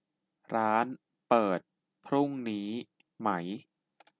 ร้านเปิดพรุ่งนี้ไหม